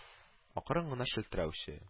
Акрын гына челтерәүче